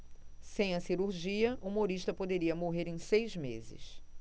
sem a cirurgia humorista poderia morrer em seis meses